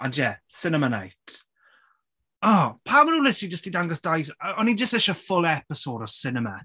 Ond ie Cinema Night. O! Pam maen nhw literally jyst 'di dangos dau s- y- o'n i jyst isie full episode o sinema.